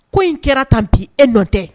Ko in kɛra tan bi e nɔ tɛ